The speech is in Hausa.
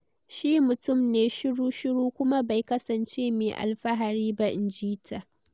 "Shi mutum ne shiru-shiru, kuma bai kasance mai alfahari ba," inji ta.